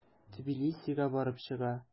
Тбилисига барып чыга.